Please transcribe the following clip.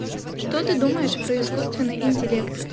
что ты думаешь про искусственный интеллект